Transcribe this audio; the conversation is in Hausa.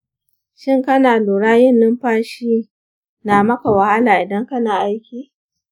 shin ka lura yin numfashi na maka wahala idan kana aiki?